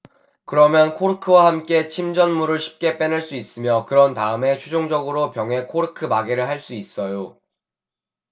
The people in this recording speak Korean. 그러면 코르크와 함께 침전물을 쉽게 빼낼 수 있으며 그런 다음에 최종적으로 병에 코르크 마개를 할 수 있어요